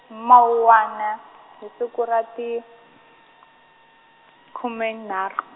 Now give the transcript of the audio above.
hi mawuwani r, hi siku ra ti, khume nharhu.